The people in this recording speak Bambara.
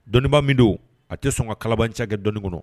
Dɔniba min don a tɛ sɔn ka kalaba ca kɛ dɔni kɔnɔ